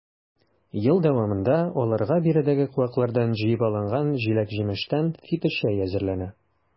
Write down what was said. Ел дәвамында аларга биредәге куаклардан җыеп алынган җиләк-җимештән фиточәй әзерләнә.